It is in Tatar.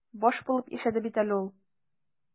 Баш булып яшәде бит әле ул.